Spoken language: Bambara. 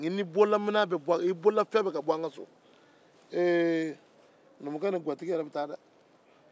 nk'i n'i bololafɛn bɛɛ ka bɔ ee numukɛ ni gatigi yɛrɛ bɛ taa